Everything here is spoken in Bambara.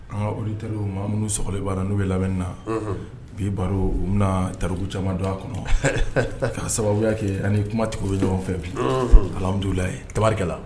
An ka auditeurs maa minnu sɔgɔlen bɛ an na n'u bɛ lamɛni na; Unhun; Bi baro u bɛna tariku caaman don a kɔnɔ, ,ka sababuya kɛ ani kumatigiw bɛ ɲɔgɔn fɛ bi; Unhun; Alihamidulilahi; tabaarikala.